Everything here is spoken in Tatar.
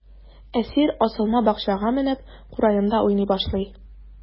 Әсир асылма бакчага менеп, кураенда уйный башлый.